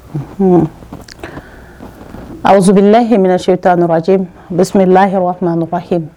Asubilahi minɛ se bisimilahi